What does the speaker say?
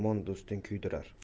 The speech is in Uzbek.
yomon do'sting kuydirar